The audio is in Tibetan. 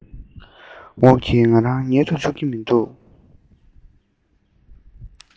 འོག གི ང རང ཉལ དུ བཅུག གི མི འདུག